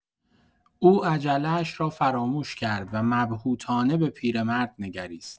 او عجله‌اش را فراموش کرد و مبهوتانه به پیرمرد نگریست.